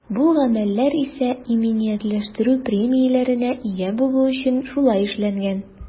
Бу гамәлләр исә иминиятләштерү премияләренә ия булу өчен шулай эшләнгән.